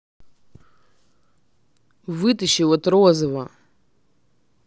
вытащи вот розово